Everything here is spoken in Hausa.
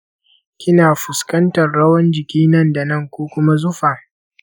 kina fuskantar rawan jiki nan da nan ko kuma zufa?